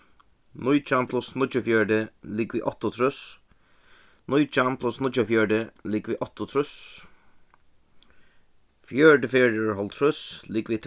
nítjan pluss níggjuogfjøruti ligvið áttaogtrýss nítjan pluss níggjuogfjøruti ligvið áttaogtrýss fjøruti ferðir hálvtrýss ligvið